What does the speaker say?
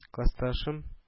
- классташым